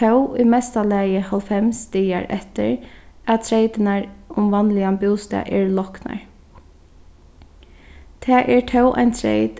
tó í mesta lagi hálvfems dagar eftir at treytirnar um vanligan bústað eru loknar tað er tó ein treyt